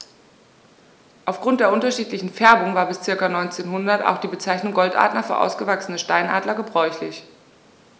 Auf Grund der unterschiedlichen Färbung war bis ca. 1900 auch die Bezeichnung Goldadler für ausgewachsene Steinadler gebräuchlich.